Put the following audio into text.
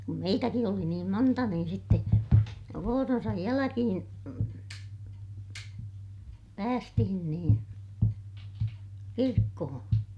kun meitäkin oli niin monta niin sitten vuoronsa jälkeen päästiin niin kirkkoon